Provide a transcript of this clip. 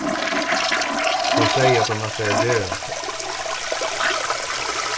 hon segði at hon ætlaði at gera hatta